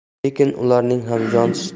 lekin ularning ham jonsiz